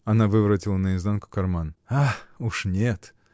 Она выворотила наизнанку карман. — Ах, уж нет!